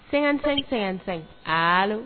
Sɛgɛnsɛ sɛgɛn tan